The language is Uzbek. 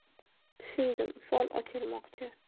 tushundim fol ochirmoqchi